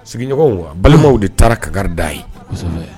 Sigiɲɔgɔnw balimaw de taara kada ye